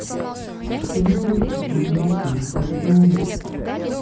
полицейский с рублевки без цензуры